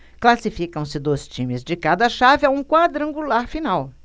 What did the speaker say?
classificam-se dois times de cada chave a um quadrangular final